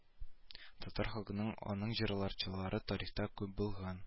Татар халкының аның җырчылары тарихта күп булган